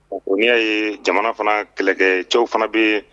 O y'a ye jamana fana kɛlɛkɛ cɛw fana bɛ